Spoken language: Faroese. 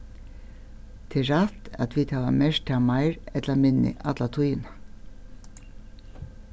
tað er rætt at vit hava merkt tað meir ella minni alla tíðina